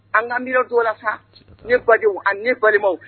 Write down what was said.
An ka mi don la sa ne badenww ani ni balimaw